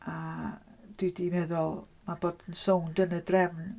A dwi 'di meddwl ma' bod yn sownd yn y drefn...